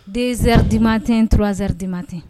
2 heures du matin 3 heures du matin